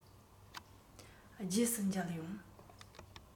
རྗེས སུ མཇལ ཡོང